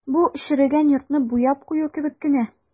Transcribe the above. Бу черегән йортны буяп кую кебек кенә.